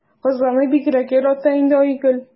Казларны бигрәк ярата инде Айгөл.